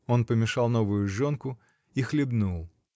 Он помешал новую жжёнку и хлебнул.